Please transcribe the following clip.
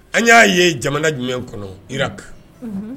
An y'a ye jamana jumɛn kɔnɔ ira